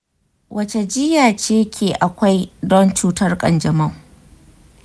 wace jiyya ce ke akwai don cutar kanjamau?